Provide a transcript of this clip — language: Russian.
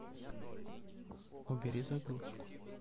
убери загрузку